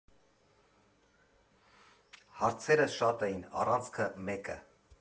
Հարցերը շատ էին, առանցքը՝ մեկը.